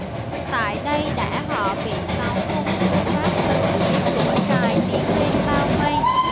tại đây đã họ bị toán quân của pháp từ phía cửa trài tiến lên bao vây